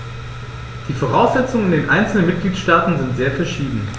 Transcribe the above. Die Voraussetzungen in den einzelnen Mitgliedstaaten sind sehr verschieden.